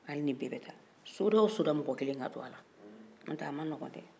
hali ni bɛɛ bɛ taa soda o soda mɔgɔ kelen ka to a la n'o tɛ a man nɔgɔn kuwa